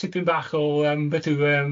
Tipyn bach o yym, beth yw e, yym?